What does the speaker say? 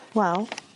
Wel